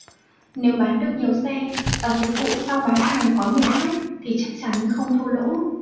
nếu bán được nhiều xe và dịch vụ sau bán hàng có nhiều khách thì chắc chắn không thua lỗ